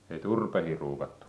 ei turpeita ruukattu